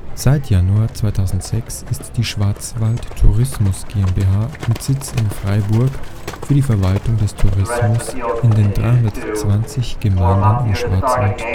Seit Januar 2006 ist die Schwarzwald Tourismus GmbH mit Sitz in Freiburg für die Verwaltung des Tourismus in den 320 Gemeinden im Schwarzwald